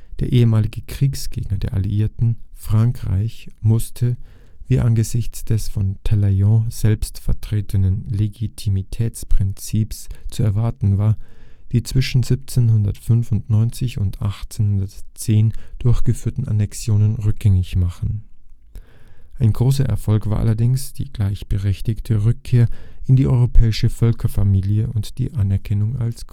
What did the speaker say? Der ehemalige Kriegsgegner der Alliierten, Frankreich, musste, wie angesichts des von Talleyrand selbst vertretenen Legitimitätsprinzips zu erwarten war, die zwischen 1795 und 1810 durchgeführten Annexionen rückgängig machen. Ein großer Erfolg war allerdings die gleichberechtigte Rückkehr in die europäische Völkerfamilie und die Anerkennung als